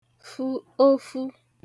fu ofū